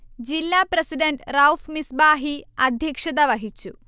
ജില്ല പ്രസിഡൻറ് റഊഫ് മിസ്ബാഹി അധ്യക്ഷത വഹിച്ചു